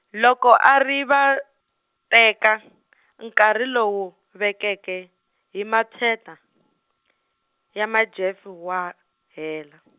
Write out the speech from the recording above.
loko a rivateka , nkarhi lowu vekeke, hi maqhweta , ya Majeff wa, hela.